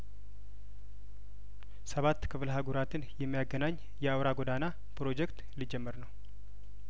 ሰባት ክፍለ አህጉራትን የሚያገናኝ የአውራ ጐዳና ፕሮጄክት ሊጀመር ነው